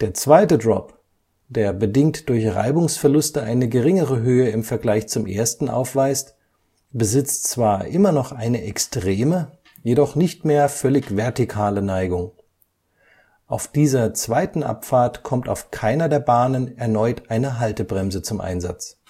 zweite Drop, der bedingt durch Reibungsverluste eine geringere Höhe im Vergleich zum ersten aufweist, besitzt zwar immer noch eine extreme, jedoch nicht mehr völlig vertikale Neigung. Auf dieser zweiten Abfahrt kommt auf keiner der Bahnen erneut eine Haltebremse zum Einsatz